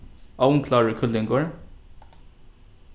ovnklárur kyllingur